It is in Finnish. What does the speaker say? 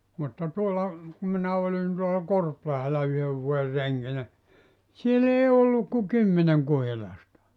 mutta tuolla kun minä olin tuolla Korpilahdella yhden vuoden renkinä siellä ei ollut kuin kymmenen kuhilasta